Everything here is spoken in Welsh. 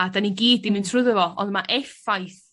a 'dyn ni gyd 'di mynd trwyddo fo ond ma' effaith